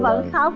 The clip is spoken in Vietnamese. vẫn khóc